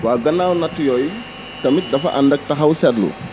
waaw gànnaaw natt yooyu tamit dafa ànda ak txaw seetlu